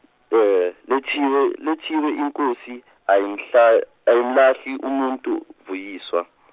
Lethiwe, Lethiwe iNkosi ayimhla- ayimlahli umuntu Vuyiswa.